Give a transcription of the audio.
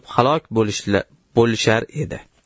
halok bo'lishar edi